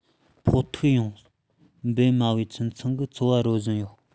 གྱི ཕོག ཐུག ཡོང འབབ དམའ བའི ཁྱིམ ཚང གི འཚོ བ རོལ བཞིན ཡོད